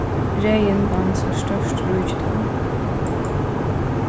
regin vann sær stórt ríkidømi